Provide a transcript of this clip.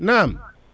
naame